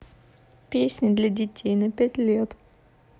песни для детей на пять лет